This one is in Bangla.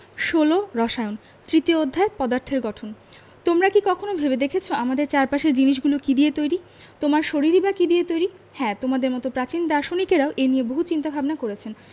১৬ রসায়ন তৃতীয় অধ্যায় পদার্থের গঠন তোমরা কি কখনো ভেবে দেখেছ আমাদের চারপাশের জিনিসগুলো কী দিয়ে তৈরি তোমার শরীরই বা কী দিয়ে তৈরি হ্যাঁ তোমাদের মতো প্রাচীন দার্শনিকেরাও এ নিয়ে বহু চিন্তা ভাবনা করেছেন